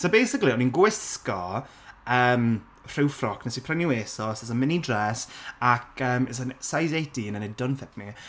so basically o'n i'n gwisgo yym rhyw ffrog wnes i prynu o ASOS it's a mini dress ac yym it's a n- size eighteen and it don't fit me.